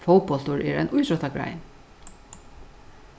fótbóltur er ein ítróttagrein